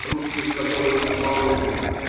- грустно сказала Ольга Павловна.